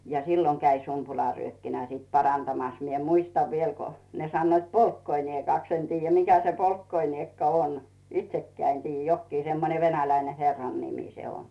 ja silloin kävi sumpularyökkinä sitten parantamassa minä muistan vielä kun ne sanoivat polkkoiniekaksi en tiedä mikä se polkkoiniekka on itsekään en tiedä jokin semmoinen venäläinen herrannimi se on